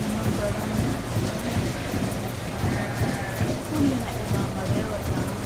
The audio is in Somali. Waa hool ay ninman fadhiyaan kuligoodna waxey wataan